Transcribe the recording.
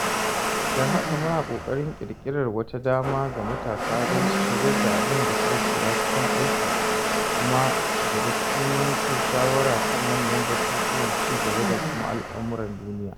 Don haka, muna ƙoƙarin ƙirƙirar wata dama ga matasa don su shigar da abin da suka koya cikin aiki kuma su shiga cikin yanke shawara kan manyan batutuwan ci gaba da kuma al'amuran duniya.